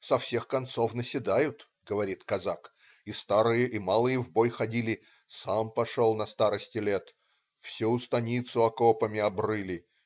со всех концов наседают,- говорит казак,- и старые и малые в бой ходили, сам пошел на старости лет. Всю станицу окопами обрыли.